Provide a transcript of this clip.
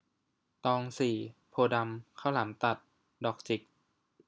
ตองสี่โพธิ์ดำข้าวหลามตัดดอกจิก